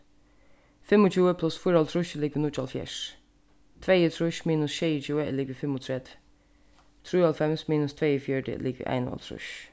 fimmogtjúgu pluss fýraoghálvtrýss er ligvið níggjuoghálvfjerðs tveyogtrýss minus sjeyogtjúgu er ligvið fimmogtretivu trýoghálvfems minus tveyogfjøruti er ligvið einoghálvtrýss